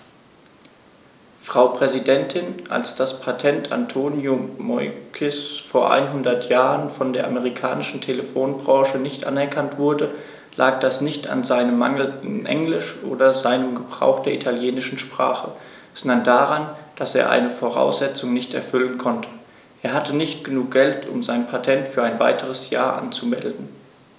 Frau Präsidentin, als das Patent Antonio Meuccis vor einhundert Jahren von der amerikanischen Telefonbranche nicht anerkannt wurde, lag das nicht an seinem mangelnden Englisch oder seinem Gebrauch der italienischen Sprache, sondern daran, dass er eine Voraussetzung nicht erfüllen konnte: Er hatte nicht genug Geld, um sein Patent für ein weiteres Jahr anzumelden.